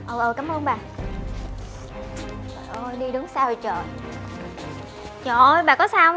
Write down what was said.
ừ ừ cám ơn bà trời ơi đi đứng sao vậy trời trời ơi bà có sao